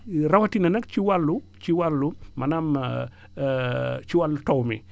rawatina nag ci wàllu ci wàllu maanaam ci wàllu taw mi